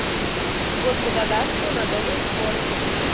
вот благодарствую на добром слове